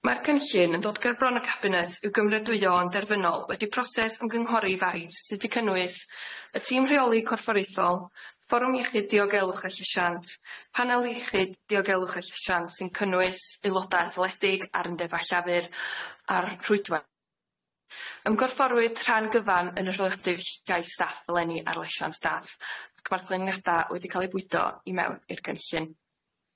Mae'r cynllun yn dod ger bron y cabinet i'w gymrydwyo yn derfynol wedi proses ymgynghori faint sydd 'di cynnwys y tîm rheoli corfforyddol, fforwm iechyd diogelwch a llesiant, panel iechyd diogelwch a llesiant sy'n cynnwys aelodaeth wledig a'r undeb llafur a'r rhwydwa'. Ymgorfforwyd rhan gyfan yn y rheoliadwy ll- gai staff eleni ar lesiant staff ac ma'r planiada wedi ca'l eu bwydo i mewn i'r cynllun.